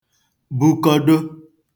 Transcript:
bukọdo